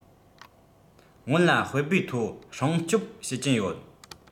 སྔོན ལ དཔེ པོས ཐོ སྲུང སྐྱོབ བྱེད ཀྱིན ཡོད